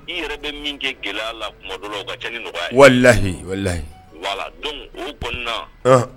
I yɛrɛ bɛ min kɛ gɛlɛ la kuma dɔ ka kɛ ni nɔgɔya walihiyi walihiyi donna